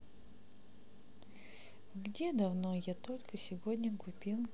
где давно я только сегодня купил